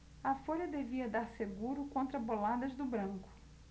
a folha devia dar seguro contra boladas do branco